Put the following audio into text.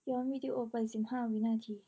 ย้อนวีดีโอไปสิบห้าวินาที